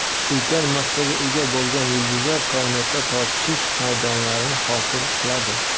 ulkan massaga ega bo'lgan yulduzlar koinotda tortishish maydonlarini hosil qiladi